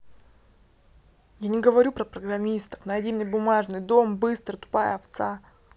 я не говорю про программистов найди мне бумажный дом быстро тупая овца